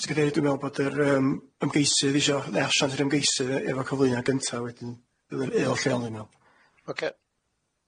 Yy Mr. Cadri dwi'n me'wl bod yr yym ymgeisydd isio ddeall siarad i'r ymgeisydd e- efo cyflwyniad gynta wedyn fel yr eol lleol dwi'n me'wl. Ocê. Ie.